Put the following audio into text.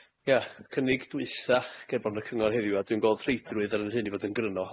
Ia, y cynnig dwytha gerbron y cyngor heddiw, a dwi'n gweld rheidrwydd ar 'yn hyn i fod yn gryno.